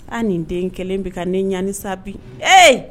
An ni den kelen bɛ ka ne ɲanisa bi ee!!!